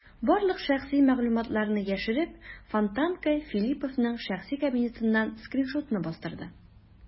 Барлык шәхси мәгълүматларны яшереп, "Фонтанка" Филипповның шәхси кабинетыннан скриншотны бастырды.